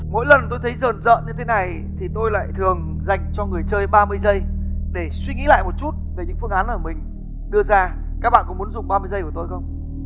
mỗi lần tôi thấy rờn rợn như thế này thì tôi lại thường dành cho người chơi ba mươi giây để suy nghĩ lại một chút về những phương án mà mình đưa ra các bạn có muốn dùng ba mươi giây của tôi không